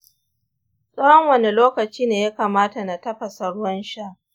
tsawon wani lokaci ne ya kamata na tafasa ruwan sha?